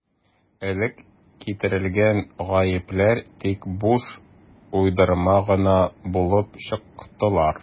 Элек китерелгән «гаепләр» тик буш уйдырма гына булып чыктылар.